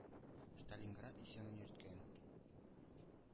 Сталинград исемен йөрткән.